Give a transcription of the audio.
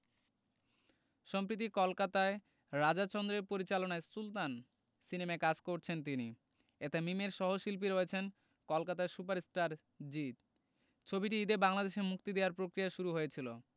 সম্প্রিতি কলকাতায় রাজা চন্দের পরিচালনায় সুলতান সিনেমায় কাজ করেছেন তিনি এতে মিমের সহশিল্পী রয়েছেন কলকাতার সুপারস্টার জিৎ ছবিটি ঈদে বাংলাদেশে মুক্তি দেয়ার প্রক্রিয়াও শুরু হয়েছিল